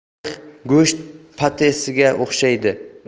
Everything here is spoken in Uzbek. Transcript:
tarix go'sht pate siga o'xshaydi